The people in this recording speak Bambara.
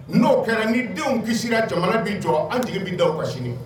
N'o kɛra ni denw kisisira jamana bin jɔ an jigin bin da kasi sini